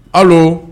Paul